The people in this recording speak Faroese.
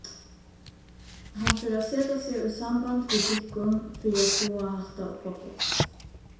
hann fer at seta seg í samband við tykkum fyri at fáa hatta upp á pláss